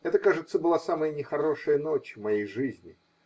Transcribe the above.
Это, кажется, была самая нехорошая ночь в моей жизни